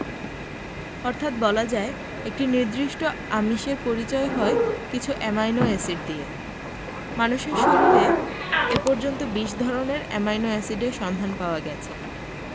অর্থাৎ বলা যায় একটি নির্দিষ্ট আমিষের পরিচয় হয় কিছু অ্যামাইনো এসিড দিয়ে মানুষের শরীরে এ পর্যন্ত ২০ ধরনের অ্যামাইনো এসিডের সন্ধান পাওয়া গেছে